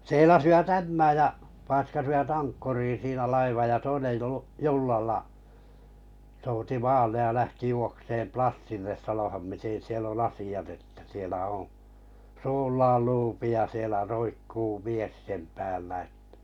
seilasivat Ämmään ja paiskasivat ankkuriin siinä laivan ja toinen - jollalla souti maalle ja lähti juoksemaan Plassille sanomaan miten siellä on asiat että siellä on suullaan luuppi ja siellä roikkuu mies sen päällä että